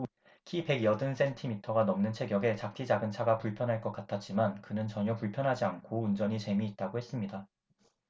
키 백 여든 센티미터가 넘는 체격에 작디 작은 차가 불편할 것 같았지만 그는 전혀 불편하지 않고 운전이 재미있다고 했습니다